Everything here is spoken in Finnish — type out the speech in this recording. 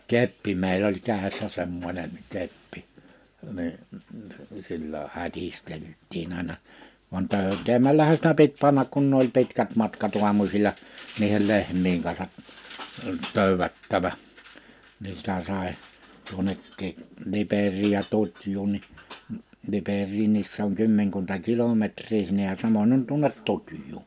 keppi meillä oli kädessä semmoinen keppi niin sillä hätisteltiin aina vaan töytäämällähän sitä piti panna kun ne oli pitkät matkat aamusilla niiden lehmien kanssa töydättävä niin sitä sai tuonnekin Liperiin ja Tutjuun niin Liperiinkin se on kymmenkunta kilometriä sinne ja samoin on tuonne Tutjuun